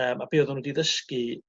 yym a be' o'dda n'w 'di ddysgu